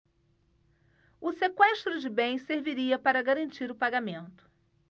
o sequestro de bens serviria para garantir o pagamento